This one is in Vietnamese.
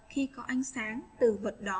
khi có ánh sáng từ vật đó